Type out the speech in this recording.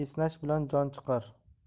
esnash bilan jon chiqar